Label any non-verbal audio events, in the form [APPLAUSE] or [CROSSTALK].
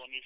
[HESITATION] [HESITATION]